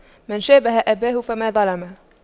من شابه أباه فما ظلم